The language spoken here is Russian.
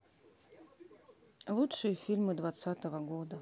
лучшие фильмы двадцатого года